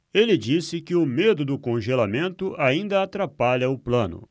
ele disse que o medo do congelamento ainda atrapalha o plano